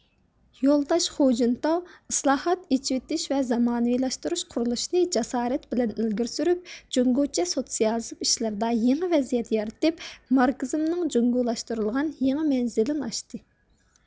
يولداش خۇجىنتاۋ ئىسلاھات ئېچىۋېتىش ۋە زامانىۋىلاشتۇرۇش قۇرۇلۇشىنى جاسارەت بىلەن ئىلگىرى سۈرۈپ جۇڭگوچە سوتسىيالىزم ئىشلىرىدا يېڭى ۋەزىيەت يارىتىپ ماركسىزمنىڭ جۇڭگوچىلاشتۇرۇلغان يېڭى مەنزىلىنى ئاچتى